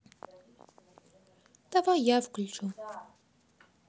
давай я включу